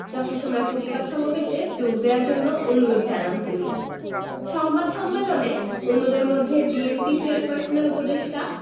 যথাসময়ে প্রতিবাদ সমাবেশে যোগ দেয়ার জন্য অনুরোধ জানান তিনি সংবাদ সম্মেলনে অন্যদের মধ্যে বিএনপি চেয়ারপারসনের উপদেষ্টা